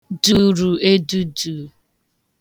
dùrù èdùtù